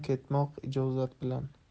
ketmoq ijozat bilan